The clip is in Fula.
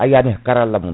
ayiyani karalla mum